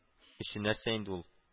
Өчен нәрсә инде ул